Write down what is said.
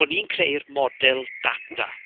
Bod ni'n creu'r model data.